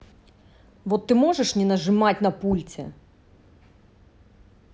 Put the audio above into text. вот ты можешь не нажимать на пульте